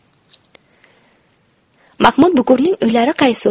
mahmud bukurning uylari qaysi